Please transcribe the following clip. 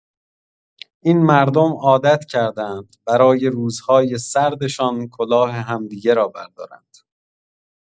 این مردم عادت‌کرده‌اند، برای روزهای سردشان، کلاه همدیگر را بردارند.